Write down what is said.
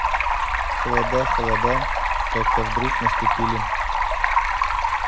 холода холода как то вдруг наступили